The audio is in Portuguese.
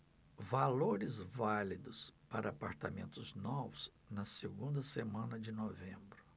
valores válidos para apartamentos novos na segunda semana de novembro